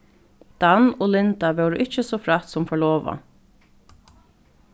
dan og linda vóru ikki so frægt sum forlovað